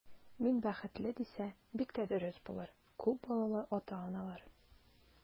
Мин бәхетле, дисә, бик тә дөрес булыр, күп балалы ата-аналар.